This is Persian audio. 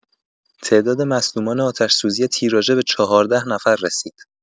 تعداد مصدومان آتش‌سوزی تیراژه به ۱۴ نفر رسید.